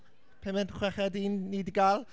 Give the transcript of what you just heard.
Pumed? Chweched un ni 'di gael...